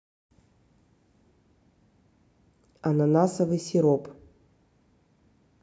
ананасовый сироп